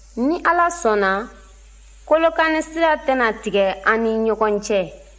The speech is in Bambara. ni ala sɔnna kɔlɔkani sira tɛna tigɛ an ni ɲɔgɔn cɛ